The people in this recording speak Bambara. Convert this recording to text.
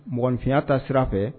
Mɔgɔnfiya ta sira fɛ